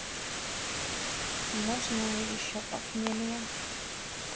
можно еще похмелье